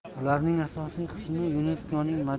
ularning asosiy qismi yuneskoning